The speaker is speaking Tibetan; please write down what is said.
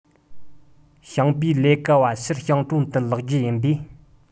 ཞིང པའི ལས ཀ བ ཕྱིར ཞིང གྲོང དུ ལོག རྒྱུ ཡིན པས